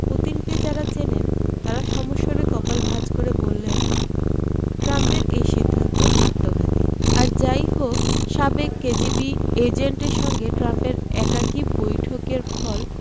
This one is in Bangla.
পুতিনকে যাঁরা চেনেন তাঁরা সমস্বরে কপাল ভাঁজ করে বললেন ট্রাম্পের এই সিদ্ধান্ত আত্মঘাতী আর যা ই হোক সাবেক কেজিবি এজেন্টের সঙ্গে ট্রাম্পের একাকী বৈঠকের ফল